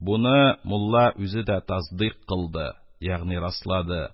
Буны мулла үзе дә тәсдикъ кылды ягъни раслады